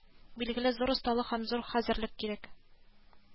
Билгеле зур осталык һәм зур хәзерлек кирәк